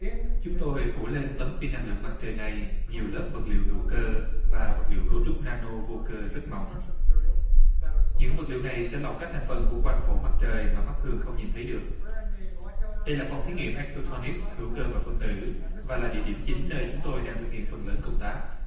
chúng tôi phủ lên tấm pin năng lượng mặt trời này nhiều lớp vật liệu hữu cơ và vật liệu cấu trúc na nô vô cơ rất mỏng những vật liệu này sẽ lọc các thành phần của quang phổ mặt trời mà mắt thường không nhìn thấy được đây là phòng thí nghiệm ách sô tho nít hữu cơ và phân tử và là địa điểm chính đời chúng tôi đang thực hiện phần lớn công tác